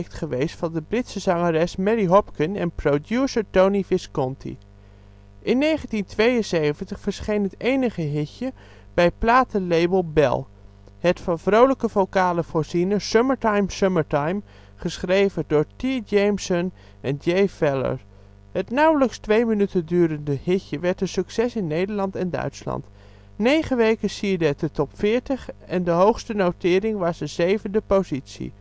geweest van de Britse zangeres Mary Hopkin en producer Tony Visconti. In 1972 verscheen het enige hitje, bij platenlabel Bell: het van vrolijke vocalen voorziene Summertime summertime, geschreven door T. Jameson en J. Feller. Het nauwelijks twee minuten durende hitje werd een succes in Nederland en Duitsland. Negen weken sierde het de Top 40 en de hoogste notering was een zevende positie